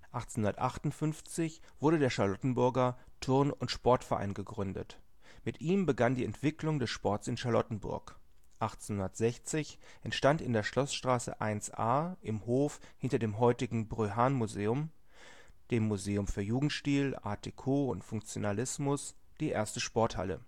1858 wurde der Charlottenburger Turn - und Sportverein gegründet. Mit ihm begann die Entwicklung des Sports in Charlottenburg. 1860 entstand in der Schloßstraße 1a im Hof hinter dem heutigen Bröhan-Museum, dem Museum für Jugendstil, Art Deco und Funktionalismus, die erste Sporthalle